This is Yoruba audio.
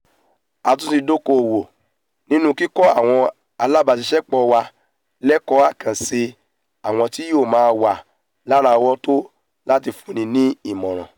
A tún ti dókòòwò nínú kíkọ́ àwọn alábàṣiṣẹ́pọ̀ wa lẹ́kọ̀ọ́ àkànṣe àwọn tí yóò máa wà láàrọ́wọ́tó láti fúnni ni ímọ̀ràn.